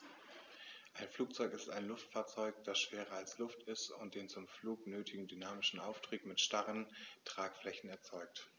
Ein Flugzeug ist ein Luftfahrzeug, das schwerer als Luft ist und den zum Flug nötigen dynamischen Auftrieb mit starren Tragflächen erzeugt.